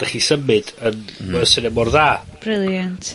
'dych chi symud yn... Hmm. ...bod o syniad mor dda. Brilliant.